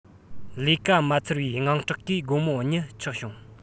ལས ཀ མ ཚར བའི དངངས སྐྲག གིས དགོང མོ གཉིད ཆག བྱུང